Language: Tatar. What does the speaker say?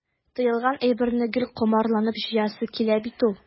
Тыелган әйберне гел комарланып җыясы килә бит ул.